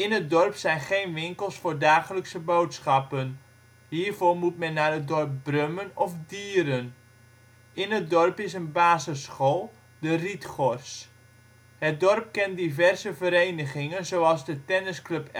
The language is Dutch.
het dorp zijn geen winkels voor dagelijkse boodschappen, hiervoor moet men naar het dorp Brummen of Dieren. In het dorp is een basisschool, " De Rietgors ". Het dorp kent diverse verenigingen, zoals de Tennisclub